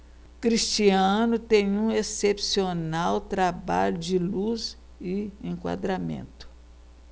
cristiano tem um excepcional trabalho de luz e enquadramento